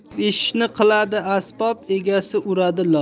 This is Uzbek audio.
ishni qiladi asbob egasi uradi lof